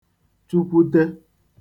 chụkwute